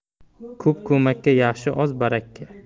ko'p ko'makka yaxshi oz barakka